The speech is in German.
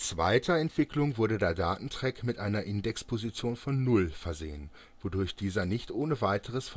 Weiterentwicklung wurde der Datentrack mit einer Index-Position von 0 versehen, wodurch dieser nicht ohne Weiteres